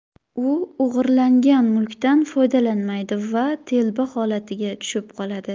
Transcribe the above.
u o'g'irlangan mulkdan foydalanmaydi va telba holatiga tushib qoladi